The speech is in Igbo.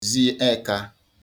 zhi ekā